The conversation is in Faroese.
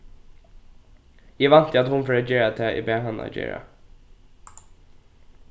eg vænti at hon fer at gera tað eg bað hana gera